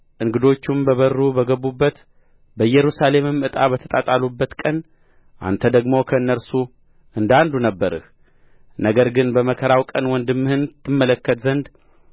እንግዶችም በበሩ በገቡበት በኢየሩሳሌምም ዕጣ በተጣጣሉበት ቀን አንተ ደግሞ ከእነርሱ እንደ አንዱ ነበርህ ነገር ግን በመከራው ቀን ወንድምህን ትመለከት ዘንድ